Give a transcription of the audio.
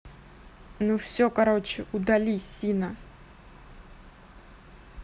ну все короче удали сина